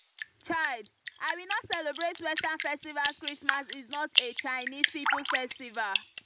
Child: I will not celebrate Western festivals Christmas is not a Chinese people’s festival.